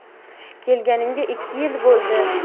kelganingga ikki yil bo'ldi